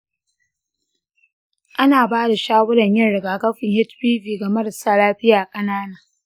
ana bada shawaran yin rigakafin hpv ga marasa lafiya ƙanana.